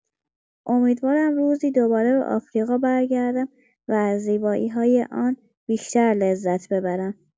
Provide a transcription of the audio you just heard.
امیدوارم روزی دوباره به آفریقا برگردم و از زیبایی‌های آن بیشتر لذت ببرم.